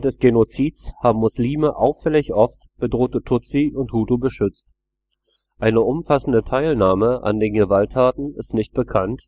des Genozids haben Muslime auffällig oft bedrohte Tutsi und Hutu beschützt. Eine umfassende Teilnahme an den Gewalttaten ist nicht bekannt,